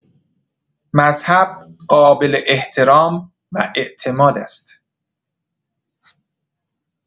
مذهب قابل‌احترام و اعتماد است.